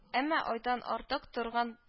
Әмма айдан артык торган